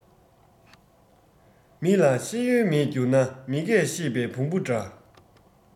མི ལ ཤེས ཡོན མེད འགྱུར ན མི སྐད ཤེས པའི བོང བུ འདྲ